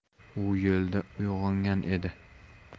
u yo'lda uyg'ongan edi